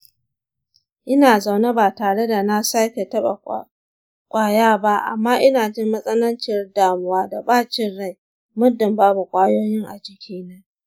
ina zaune ba tare da na sake taɓa ƙwaya ba amma ina jin matsananciyar damuwa da bacin rai muddin babu ƙwayoyin a jikina.